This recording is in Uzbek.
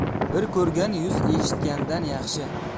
bir ko'rgan yuz eshitgandan yaxshi